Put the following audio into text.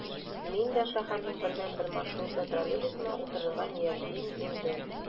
Мин дә шәһәрнең бердәнбер маршрутлы троллейбусына утырырга ниятлим инде...